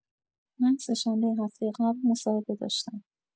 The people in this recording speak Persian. من سه‌شنبه هفته قبل مصاحبه داشتم.